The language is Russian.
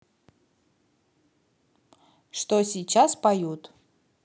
что сейчас поют